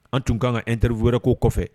An tun kan ka an terirf wɛrɛɛrɛko kɔfɛ